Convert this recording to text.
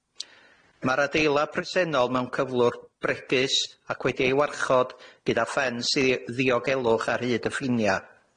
Ma'r adeilad presennol mewn cyflwr bregus, ac wedi'i warchod gyda ffens i ddi- ddiogelwch ar hyd y ffinia.